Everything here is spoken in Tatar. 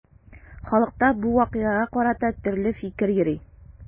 Халыкта бу вакыйгага карата төрле фикер йөри.